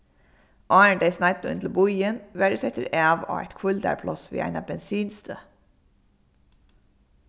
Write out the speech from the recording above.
áðrenn tey sneiddu inn til býin varð eg settur av á eitt hvíldarpláss við eina bensinstøð